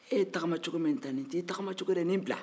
e ye tagamacogo min ta nin ye nin t'i tagamacogoye dɛ nin bila